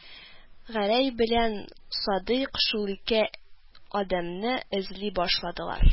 Гәрәй белән Садыйк шул ике адәмне эзли башладылар